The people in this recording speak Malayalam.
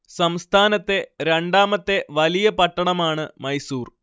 സംസ്ഥാനത്തെ രണ്ടാമത്തെ വലിയ പട്ടണമാണ് മൈസൂർ